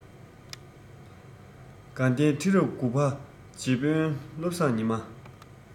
དགའ ལྡན ཁྲི རབས དགུ བ རྗེ དཔོན བློ བཟང ཉི མ